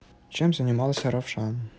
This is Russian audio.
чем занимался равшан